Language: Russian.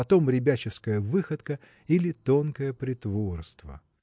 потом ребяческая выходка или тонкое притворство.